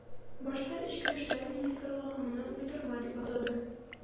Башта эчке эшләр министрлыгы моны уйдырма дип атады.